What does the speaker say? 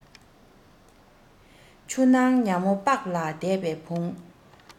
ཆུ ནང ཉ མོ སྤགས ལ དད པས ཕུང